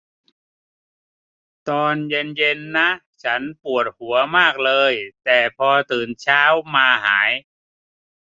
ตอนเย็นเย็นนะฉันปวดหัวมากเลยแต่พอตื่นเช้ามาหาย